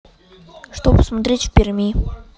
что посмотреть в перми